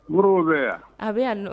B moriw bɛ yan a bɛ yan nɔ